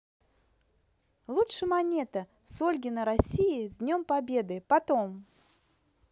лучше монета с ольгино россии с днем победы потом